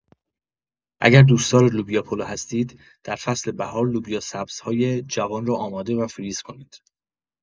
اگر دوستدار لوبیا پلو هستید در فصل بهار لوبیا سبزهای جوان را آماده و فریز کنید.